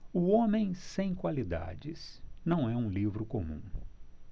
o homem sem qualidades não é um livro comum